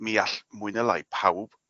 mi all mwy ne' lai pawb